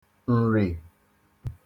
Nri